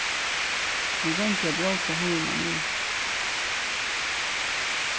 hann royndi at bróta hurðina niður